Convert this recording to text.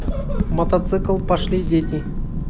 мотоцикл пошли дети